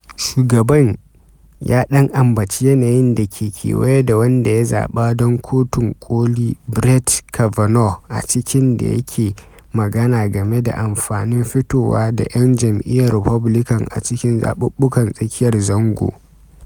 Shugaban ya ɗan ambaci yanayin da ke kewaye da wanda ya zaɓa don Kotun Koli Brett Kavanaugh a lokacin da yake magana game da amfanin fitowa ta ‘yan jam’iyyar Republican a cikin zaɓuɓɓukan tsakiyar zango.